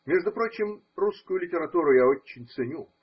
Между прочим, русскую литературу я очень ценю.